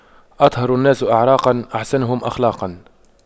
أطهر الناس أعراقاً أحسنهم أخلاقاً